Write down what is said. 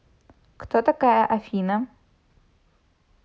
а кто такая афина